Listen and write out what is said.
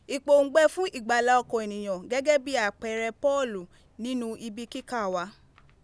Ipoungbe fun igbala okan eniyan gege bi apeere Poolu ninu ibi kika wa